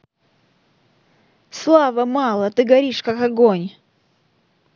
слава мало ты горишь как огонь